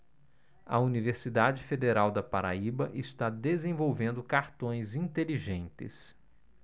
a universidade federal da paraíba está desenvolvendo cartões inteligentes